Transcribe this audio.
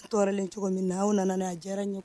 Tɔɔrɔlen cogo min na aw nana a diyara ɲɔgɔn